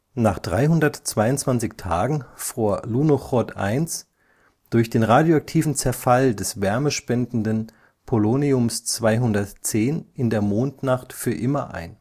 Nach 322 Tagen fror Lunochod 1 durch den radioaktiven Zerfall des wärmespendenden Poloniums-210 in der Mondnacht für immer ein